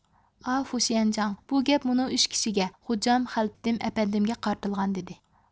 ئا فۇشيەنجاڭ بۇ گەپ مۇنۇ ئۈچ كىشىگە غوجام خەلپىتىم ئەپەندىمگە قارىتىلغان دىدى